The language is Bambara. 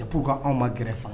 Cɛp ka anw ma gɛrɛ faga